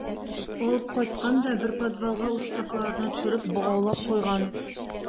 Алып кайткан да бер подвалга үз штабларына төшереп богаулап куйган.